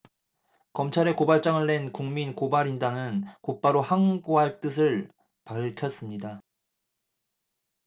검찰에 고발장을 낸 국민고발인단은 곧바로 항고할 뜻을 밝혔습니다